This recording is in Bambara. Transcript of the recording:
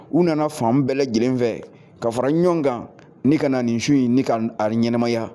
U nana fan bɛɛ lajɛlen fɛ ka fara ɲɔgɔn kan ni kana na nin su in ni ka ari ɲɛnɛmaya